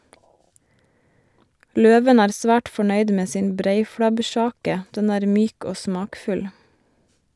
Løven er svært fornøyd med sin breiflabbkjake, den er myk og smakfull.